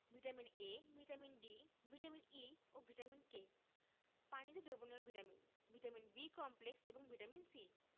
vitamin A vitamin D vitamin E ও vitamin K পানিতে দ্রবণীয় ভিটামিন ভিটামিন B কমপ্লেক্স এবং ভিটামিন C